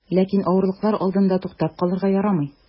Ләкин авырлыклар алдында туктап калырга ярамый.